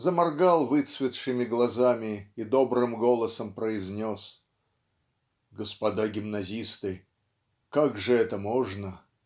заморгал выцветшими глазами и добрым голосом произнес "Господа гимназисты! Как же это можно?